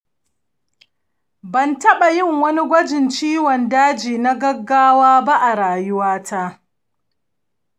ban taɓa yin wani gwajin ciwon daji na gaggawa ba a rayuwata